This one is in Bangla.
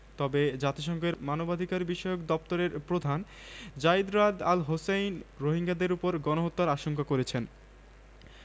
১১ জানুয়ারি ২০১৮ কালের কন্ঠ হতে সংগৃহীত